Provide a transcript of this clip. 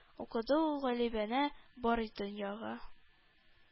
Укыды ул галибанә бар дөньяга.